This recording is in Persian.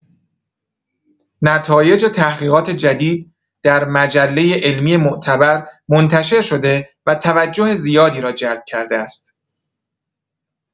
نتایج تحقیقات جدید در مجله علمی معتبر منتشرشده و توجه زیادی را جلب کرده است.